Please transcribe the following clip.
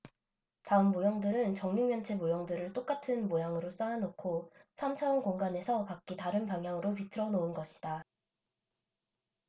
다음 모형들은 정육면체 모형들을 똑같은 모양으로 쌓아놓고 삼 차원 공간에서 각기 다른 방향으로 비틀어 놓은 것이다